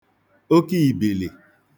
okiìbìlì